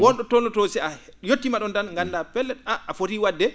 won ?o tolnotoo si a yottiima ?oon tan nganndaa pellet aan a fotii wa?de